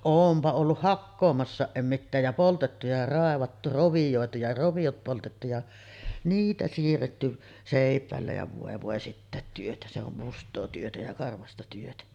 olenpa ollut hakkaamassakin en mitään ja poltettu ja raivattu rovioitu ja roviot poltettu ja niitä siirretty seipäillä ja voi voi sitäkin työtä se on mustaa työtä ja karvasta työtä